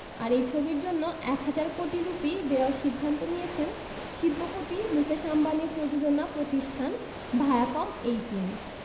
আর এই ছবির জন্য এক হাজার কোটি রুপি দেওয়ার সিদ্ধান্ত নিয়েছে শিল্পপতি মুকেশ আম্বানির প্রযোজনা প্রতিষ্ঠান ভায়াকম এইটিন